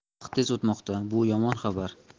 vaqt tez o'tmoqda bu yomon xabar